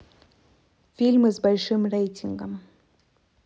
фильмы с большим рейтингом